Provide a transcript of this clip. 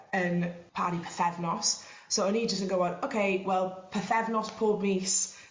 yn pari pythefnos so o'n i jyst yn gwbod oce wel pythefnos pob mis